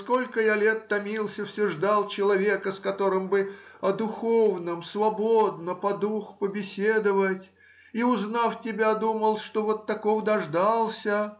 сколько я лет томился, все ждал человека, с которым бы о духовном свободно по духу побеседовать, и, узнав тебя, думал, что вот такого дождался